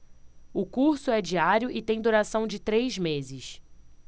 o curso é diário e tem duração de três meses